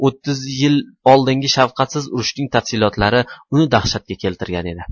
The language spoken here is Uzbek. o'ttiz yil oldingi shafqatsiz urushning tafsilotlari uni dahshatga keltirgan edi